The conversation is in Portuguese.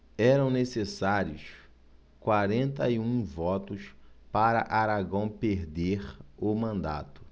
eram necessários quarenta e um votos para aragão perder o mandato